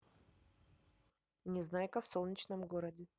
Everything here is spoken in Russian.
незнайка в солнечном городе